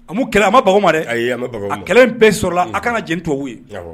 A mun kɛlɛ, a ma baga u ma dɛ. Ayi, ma baga u ma. A kɛlɛ in bɛɛ sɔrɔla, a kan ka jɛn ni tubabuw ye. Awɔ.